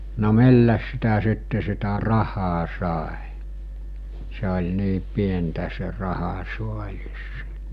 no millä sitä sitten sitä rahaa sai se oli niin pientä se rahasaalis